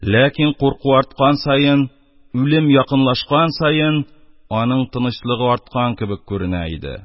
Ләкин курку арткан саен, үлем якынлашкан саен, аның тынычлыгы арткан кебек күренә иде.